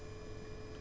dëgg la